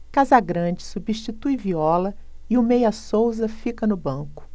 casagrande substitui viola e o meia souza fica no banco